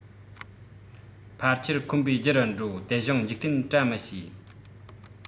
ཕལ ཆེར འཁོན པའི རྒྱུ རུ འགྲོ དེ བྱུང འཇིག རྟེན བཀྲ མི ཤིས